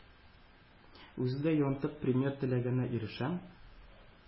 Үзе дә юантык премьер теләгенә ирешә